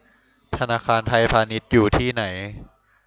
ธนาคารไทยพาณิชย์อยู่ที่ไหน